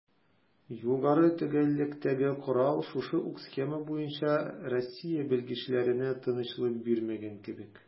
Югары төгәллектәге корал шушы ук схема буенча Россия белгечләренә тынычлык бирмәгән кебек: